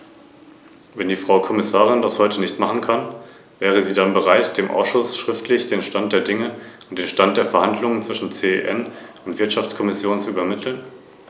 Frau Präsidentin, obwohl ich anerkenne, dass dieser Bericht viele positive Aspekte enthält - und ich befürworte den Anspruch der Menschen mit Behinderung auf Zugang zum Verkehr und zu Entschädigung nachdrücklich -, bin ich der Meinung, dass diese Programme von den nationalen Regierungen auf den Weg gebracht werden sollten.